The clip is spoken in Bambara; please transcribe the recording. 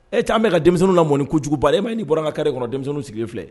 E t an bɛ ka denmisɛnnin la mɔnɔni kojuguba e ma ye ni bɔra n ka kari kɔnɔ denmisɛnnin sigilen filɛ